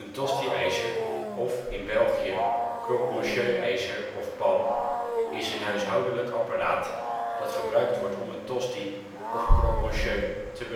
tosti-ijzer (of, in België croque-monsieurijzer of - pan) is een huishoudelijk apparaat dat gebruikt wordt om een tosti (croque-monsieur) te bereiden